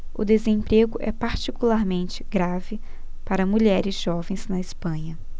o desemprego é particularmente grave para mulheres jovens na espanha